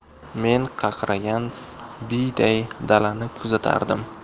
men qaqragan biyday dalani kuzatardim